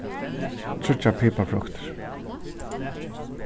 tríggjar piparfruktir